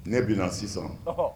Ne bɛna na sisan